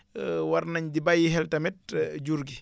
war nañ di bàyyi xel tamit jur gi